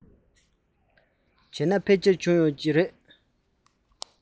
བྱས ན ཕལ ཆེར བྱུང ཡོད ཀྱི རེད